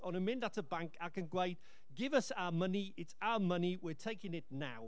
o'n nhw'n mynd at y banc ac yn gweud, Give us our money, it's our money, we're taking it now